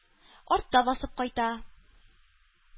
Артта басып кайта.